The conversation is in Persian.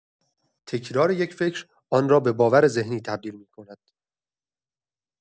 تکرار یک فکر، آن را به باور ذهنی تبدیل می‌کند.